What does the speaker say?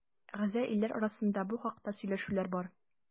Әгъза илләр арасында бу хакта сөйләшүләр бара.